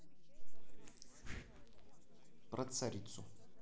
про царицу